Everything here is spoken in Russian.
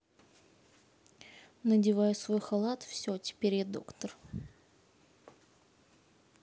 надеваю свой халат все теперь я доктор